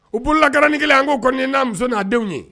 Upla garani kelen an ko kɔni nin ye n'a muso n naa denw ye